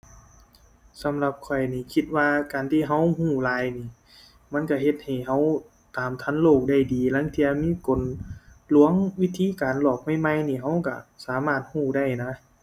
สำหรับข้อยนี้คิดว่าการที่เราเราหลายนี่ มันเราเฮ็ดให้เราตามทันโลกได้ดี ลางเที่ยมีกลลวง วิธีการหลอกใหม่ใหม่นี่เราเราสามารถเราได้นะ